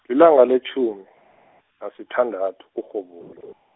lilanga letjhumi , nasithandathu kuRhoboyi.